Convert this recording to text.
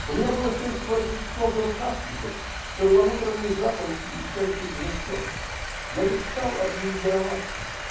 У меня было шесть воротничков и рукавчиков, перламутровые запонки и серый пиджачок. Я мечтал обмундироваться.